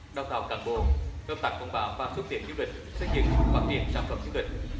đào tạo cán bộ hợp tác quảng bá và xúc tiến du lịch xây dựng phát triển sản phẩm du lịch